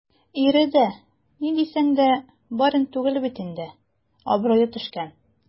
Ире дә, ни дисәң дә, барин түгел бит инде - абруе төшкән.